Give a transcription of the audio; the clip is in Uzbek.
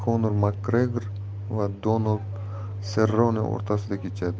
makgregor va donald serrone o'rtasida kechadi